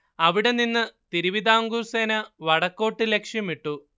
അവിടെ നിന്ന് തിരുവിതാംകൂർ സേന വടക്കോട്ട് ലക്ഷ്യമിട്ടു